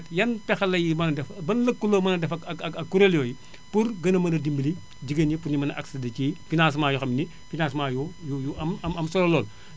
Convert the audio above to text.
yan pexe lay mën a def ban lëkkaloo la mën a def ak ak ak kuréel yooyu pour gën a mën a dimbali jigéen ñi pour énu mën a accedé ci financements yoo xam ne financement yu yu yu am am solo lool